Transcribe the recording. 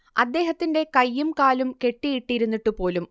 അദ്ദേഹത്തിന്റെ കൈയും കാലും കെട്ടിയിട്ടിരുന്നിട്ടുപോലും